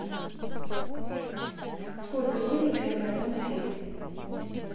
сколько серий черная зона фильм